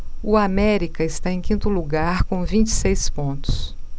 o américa está em quinto lugar com vinte e seis pontos